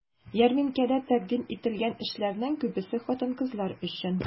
Ярминкәдә тәкъдим ителгән эшләрнең күбесе хатын-кызлар өчен.